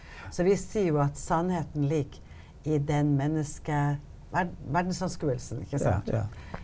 så vi sier jo at sannheten ligger i den menneske verdensanskuelsen ikke sant.